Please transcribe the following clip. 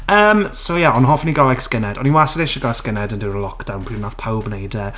Yym, so ie, ond hoffwn i gael like skinhead, o'n i wastad isie gael skinhead yn during lockdown pryd wnaeth pawb wneud e.